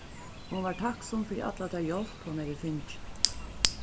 hon var takksom fyri alla ta hjálp hon hevði fingið